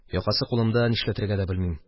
Якасы кулымда, нишләтергә дә белмим